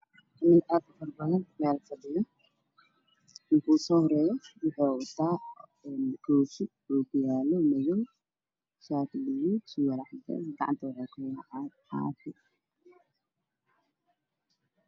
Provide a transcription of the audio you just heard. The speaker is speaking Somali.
Waa niman meel fadhiyo wuxuu wataa koofi yaale madow ninkale wuxuu wataa suud madow shaati cadaan